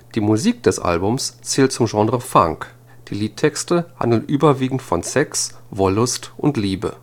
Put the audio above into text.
Die Musik des Albums zählt zum Genre Funk, die Liedtexte handeln überwiegend von Sex, Wollust und Liebe